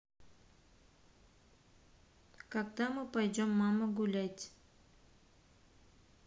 когда мы пойдем мама гулять